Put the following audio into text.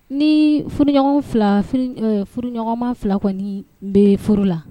Ni furuɲɔgɔn fiIaa, furuɲɔgɔnma fila kɔni bɛ furu la